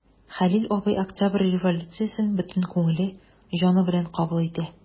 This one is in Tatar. Хәлил абый Октябрь революциясен бөтен күңеле, җаны белән кабул итә.